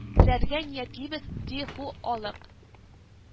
Ләргә ниятлибез, ди ху алык